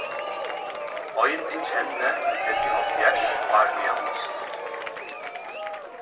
ein eg kenni fylti hálvfjerðs ár í august